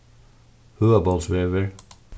høgabólsvegur